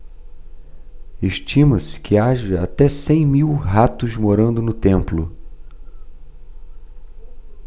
estima-se que haja até cem mil ratos morando no templo